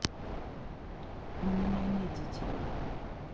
у меня нет детей